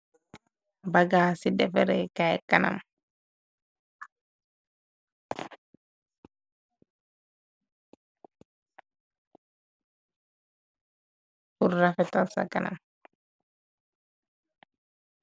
Bagassi defareh kaii kanam, pur rafetal sa kanam.